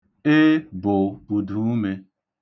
'E' bụ ụduume.